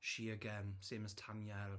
She again, same as Tanyel